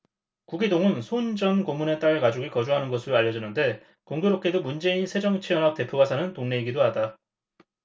구기동은 손 전 고문의 딸 가족이 거주하는 것으로 알려졌는데 공교롭게도 문재인 새정치연합 대표가 사는 동네이기도 하다